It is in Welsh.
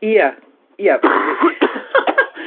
Ia, ia !